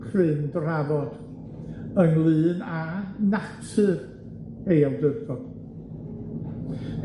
cryn drafod ynglŷn â natur ei awdurdod.